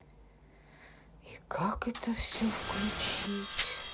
и как это все включить